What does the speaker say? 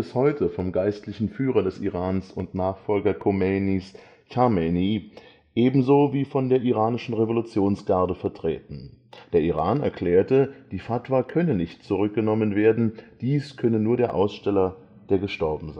heute vom geistlichen Führer des Irans und Nachfolger Khomeinis, Chamenei, ebenso wie von der Iranischen Revolutionsgarde vertreten. Der Iran erklärte, die Fatwa könne nicht zurückgenommen werden, dies könne nur der Aussteller, der gestorben